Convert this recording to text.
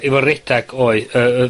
...efo redag oe-, yy yy...